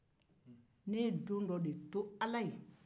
ne ye don dɔ de to ala ye